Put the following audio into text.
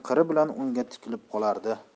bilan unga tikilib qolardi